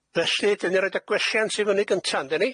Felly, 'dyn ni roid y gwelliant i fyny gynta, yndyn ni?